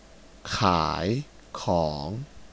ขายของ